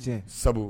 Tiɲɛ; sabu